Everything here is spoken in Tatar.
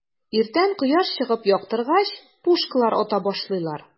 Иртән кояш чыгып яктыргач, пушкалар ата башлыйлар.